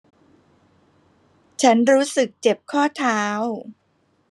ฉันรู้สึกเจ็บข้อเท้า